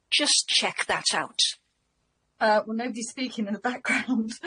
just check that out? yym well nobody's speaking in the background.